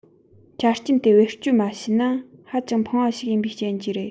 ཆ རྐྱེན དེ བེད སྤྱོད མ བྱས ན ཧ ཅང ཕངས པ ཞིག ཡིན པའི རྐྱེན གྱིས རེད